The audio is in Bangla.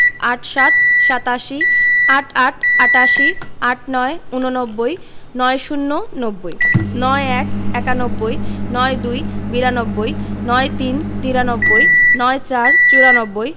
৮৭ – সাতাশি ৮৮ – আটাশি ৮৯ – ঊননব্বই ৯০ - নব্বই ৯১ - একানব্বই ৯২ - বিরানব্বই ৯৩ - তিরানব্বই ৯৪ – চুরানব্বই